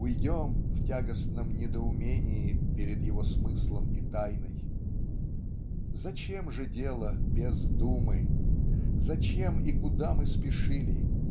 уйдем в тягостном недоумении перед его смыслом и тайной. Зачем же дело без думы зачем и куда мы спешили